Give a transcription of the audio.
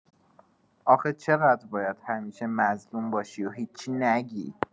آخه چقدر باید همیشه مظلوم باشی و هیچی نگی؟